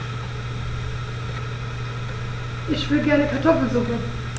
Ich will gerne Kartoffelsuppe.